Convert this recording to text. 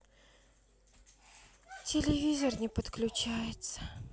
телевизор не подключается